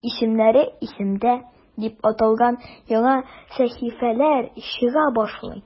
"исемнәре – исемдә" дип аталган яңа сәхифәләр чыга башлый.